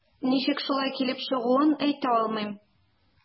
Ничек шулай килеп чыгуын әйтә алмыйм.